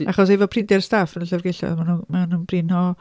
Achos efo prinder staff yn y llyfrgelloedd maen nhw'n maen nhw'n brin o